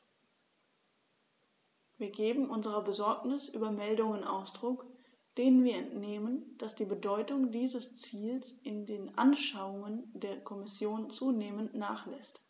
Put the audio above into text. Wir geben unserer Besorgnis über Meldungen Ausdruck, denen wir entnehmen, dass die Bedeutung dieses Ziels in den Anschauungen der Kommission zunehmend nachlässt.